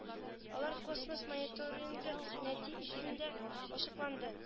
Алар космос мониторингы нәти әсендә ачыкланды